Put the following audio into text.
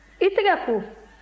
i tɛgɛ ko